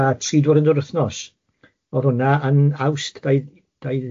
...a tri dwrnod yr wythnos oedd hwnna yn Awst dau- dau-